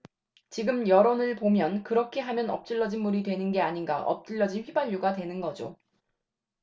지금 여론을 보면 그렇게 하면 엎질러진 물이 되는 게 아니라 엎질러진 휘발유가 되는 거죠